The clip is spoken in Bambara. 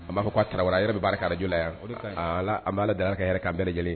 A b' fɔ ko aa tarawele wara yɛrɛ bɛ baaraj yan an b' dala ka yɛrɛ ka bɛɛ lajɛlen